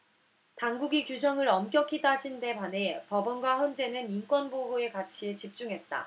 당국이 규정을 엄격히 따진 데 반해 법원과 헌재는 인권보호의 가치에 집중했다